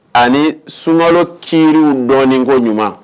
Ani sunkalo ki dɔɔninko ɲuman